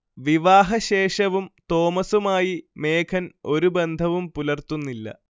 വിവാഹശേഷവും തോമസുമായി മേഘൻ ഒരു ബന്ധവും പുലർത്തുന്നില്ല